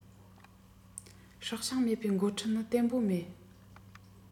སྲོག ཤིང མེད པའི འགོ ཁྲིད ནི བརྟན པོ མེད